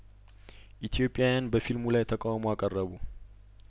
ኢትዮጵያን በፊልሙ ላይ ተቃውሞ አቀረቡ